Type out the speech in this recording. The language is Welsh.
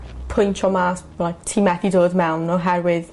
pwyntio mas like ti methi dod mewn oherwydd